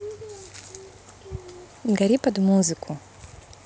гори под музыку